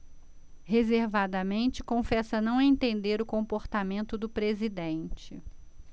reservadamente confessa não entender o comportamento do presidente